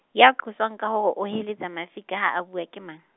ya qoswang ka hore o heletsa mafika ha a bua ke mang?